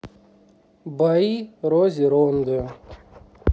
бои рози ронды